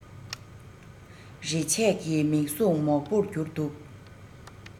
རེ ཆད ཀྱི མིག ཟུང མོག པོར གྱུར འདུག